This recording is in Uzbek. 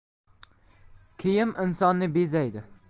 kiyim insonni bezaydi